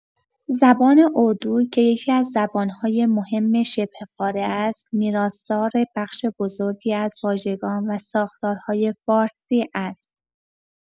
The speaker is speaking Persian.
زبان اردو، که یکی‌از زبان‌های مهم شبه‌قاره است، میراث‌دار بخش بزرگی از واژگان و ساختارهای فارسی است.